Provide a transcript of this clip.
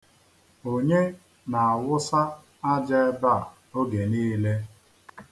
Onye na-awụsa aja ebe a oge niile?